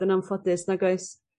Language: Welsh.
yn anffodus neg oes?